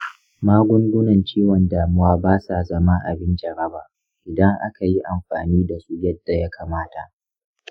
magungunan ciwon damuwa ba sa zama abin jaraba idan aka yi amfani da su yadda ya kamata.